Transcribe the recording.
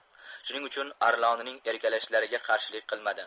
shuning uchun arlonining erkalashlariga qarshilik qilmadi